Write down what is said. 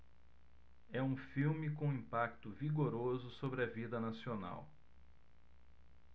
é um filme com um impacto vigoroso sobre a vida nacional